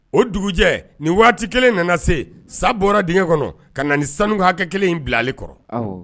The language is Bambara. O dugujɛ, nin waati kelen nana se, sa bɔra dingɛ kɔnɔ ka na ni sanu hakɛ kelen in bila ale kɔrɔ